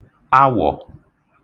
awọ̀